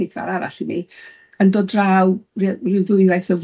cneithar arall i mi, yn dod draw ry- ryw ddwywaith y